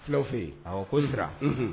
Fulaw fɛ yen ko sera